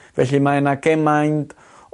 felly mae yna cemaint